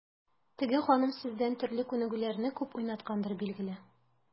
Теге ханым сездән төрле күнегүләрне күп уйнаткандыр, билгеле.